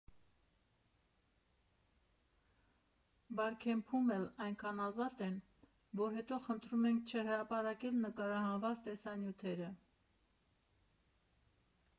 Բարքեմփում էլ այնքան ազատ են, որ հետո խնդրում ենք չհրապարակել նկարահանված տեսանյութերը։